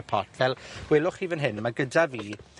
y pot. Fel, welwch chi fan hyn, a 'ma gyda fi